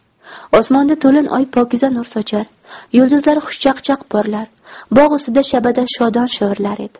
osmonda to'lin oy pokiza nur sochar yulduzlar xushchaqchaq porlar bog' ustida shabada shodon shivirlar edi